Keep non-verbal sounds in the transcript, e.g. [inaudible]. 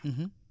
[hesitation] [hesitation]